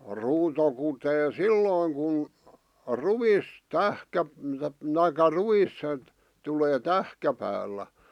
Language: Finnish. ruuto kutee silloin kun ruis - tai ruis tulee tähkäpäällä